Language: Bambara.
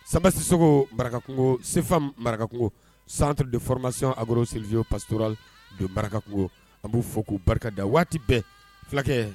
Sanbasisogo bara senfa marako santu deɔrɔmasi a bolo selizyo pasto don maraku a b'u fɔ k'u barikada waati bɛɛ fulakɛ